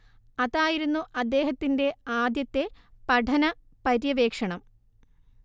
അതായിരുന്നു അദ്ദേഹത്തിന്റെ ആദ്യത്തെ പഠന പര്യവേക്ഷണം